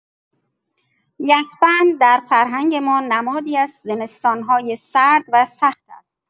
یخ‌بند در فرهنگ ما نمادی از زمستان‌های سرد و سخت است.